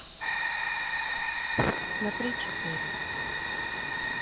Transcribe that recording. смотри четыре